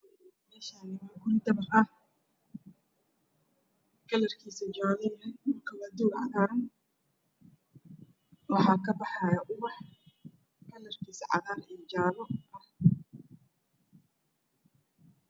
Meeshaan waa guri dabaq ah kalarkiisu jaalo yahay dhulku waa doog cagaaran waxaa kabaxaayo ubax kalarkiisu cagaar iyo jaalo ah.